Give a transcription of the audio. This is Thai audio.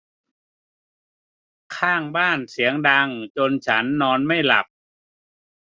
ข้างบ้านเสียงดังจนฉันนอนไม่หลับ